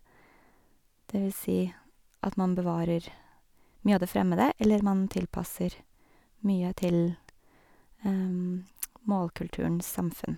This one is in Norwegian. Det vil si at man bevarer mye av det fremmede, eller man tilpasser mye til målkulturen, samfunn.